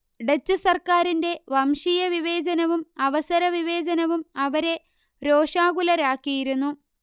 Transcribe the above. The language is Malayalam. ഡച്ചു സർക്കാരിന്റെ വംശീയവിവേചനവും അവസരവിവേചനവും അവരെ രോഷാകുലരാക്കിയിരുന്നു